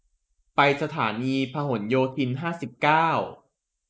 ไปสถานีพหลโยธินห้าสิบเก้า